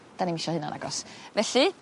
'Dan ni'm isio hynna nagos? Felly